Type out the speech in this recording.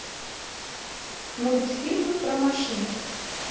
мультфильмы про машин